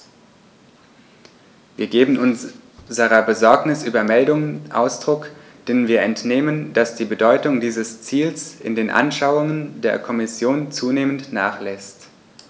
Wir geben unserer Besorgnis über Meldungen Ausdruck, denen wir entnehmen, dass die Bedeutung dieses Ziels in den Anschauungen der Kommission zunehmend nachlässt.